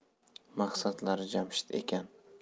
maqsadlari jamshid ekan